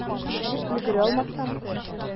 Җыеп өлгерә алмасам?